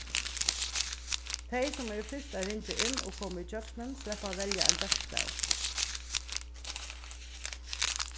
tey sum eru fyrst at ringja inn og koma ígjøgnum sleppa at velja ein bókstav